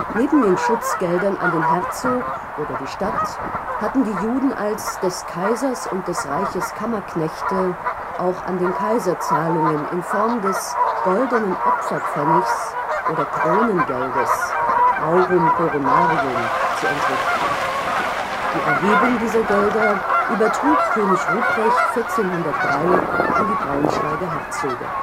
Neben den Schutzgeldern an Herzog oder Stadt hatten die Juden als „ des Kaisers und des Reiches Kammerknechte “auch an den Kaiser Zahlungen in Form des „ goldenen Opferpfennigs “oder „ Kronengeldes “(aurum coronarium) zu entrichten. Die Erhebung dieser Gelder übertrug König Ruprecht 1403 an die Braunschweiger Herzöge